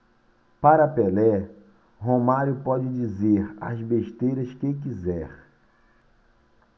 para pelé romário pode dizer as besteiras que quiser